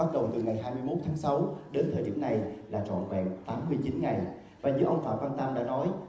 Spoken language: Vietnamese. bắt đầu từ ngày hai mươi mốt tháng sáu đến thời điểm này là trọn vẹn tám mươi chín ngày và như ông phạm văn tam đã nói